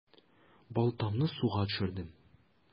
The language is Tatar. Балтамны суга төшердем.